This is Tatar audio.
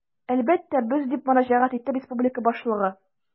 Әлбәттә, без, - дип мөрәҗәгать итте республика башлыгы.